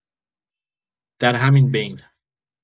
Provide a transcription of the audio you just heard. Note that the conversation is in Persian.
در همین بین